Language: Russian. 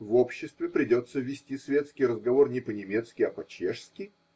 В обществе придется вести светский разговор не по-немецки, а по-чешски?